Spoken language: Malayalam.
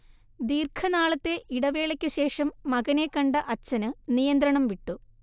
ദീർഘനാളത്തെ ഇടവേളയ്ക്കു ശേഷം മകനെ കണ്ട അച്ഛന് നിയന്ത്രണംവിട്ടു